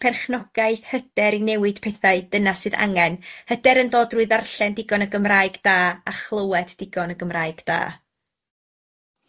perchnogaeth, hyder i newid pethau, dyna sydd angen hyder yn dod drwy ddarllen digon o Gymraeg da a chlywed digon o Gymraeg da.